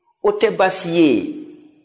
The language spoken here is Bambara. o tɛ baasi ye